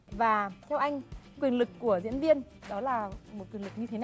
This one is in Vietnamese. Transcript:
và theo anh quyền lực của diễn viên đó là một quyền lực như thế